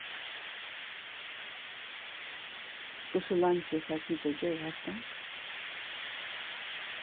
hvussu leingi fara tit at gera hetta